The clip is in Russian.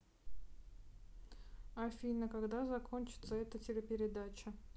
афина когда закончится эта телепередача